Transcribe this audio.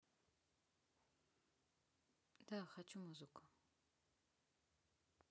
да хочу музыку